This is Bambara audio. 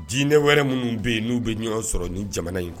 Dinɛ wɛrɛ minnu bɛ yen n'u bɛ ɲɔgɔn sɔrɔ ni jamana in kɔnɔ